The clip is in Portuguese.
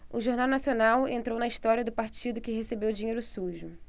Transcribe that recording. o jornal nacional entrou na história do partido que recebeu dinheiro sujo